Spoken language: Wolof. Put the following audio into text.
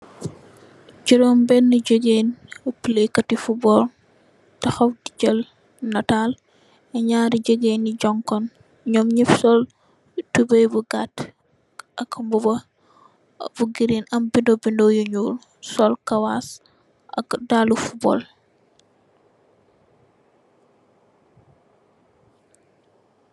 Njurum bene jegain yu playkate footboll tahaw de jel natal nyari jegain ye junkung num yep sol tubaye bu gate ak muba bu girin am beda beda yu nuul sol kawass ak dalle footboll.